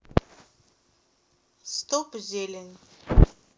стоп зелень